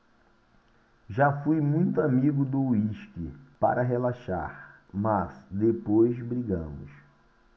já fui muito amigo do uísque para relaxar mas depois brigamos